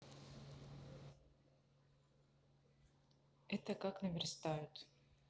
это как наверстают